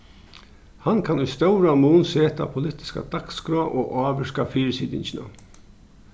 hann kann í stóran mun seta politiska dagsskrá og ávirka fyrisitingina